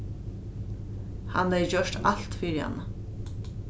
hann hevði gjørt alt fyri hana